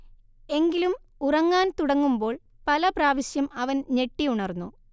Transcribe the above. എങ്കിലും ഉറങ്ങാൻ തുടങ്ങുമ്പോൾ പല പ്രാവശ്യം അവൻ ഞെട്ടി ഉണർന്നു